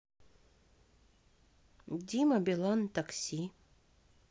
дима билан такси